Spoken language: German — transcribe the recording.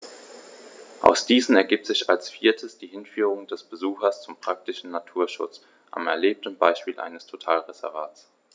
Aus diesen ergibt sich als viertes die Hinführung des Besuchers zum praktischen Naturschutz am erlebten Beispiel eines Totalreservats.